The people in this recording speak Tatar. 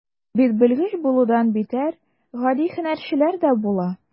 Ә бит белгеч булудан битәр, гади һөнәрчеләр дә була.